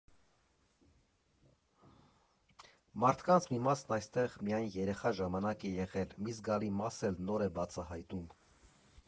Մարդկանց մի մասն այստեղ միայն երեխա ժամանակ է եղել, մի զգալի մաս էլ նոր է բացահայտում։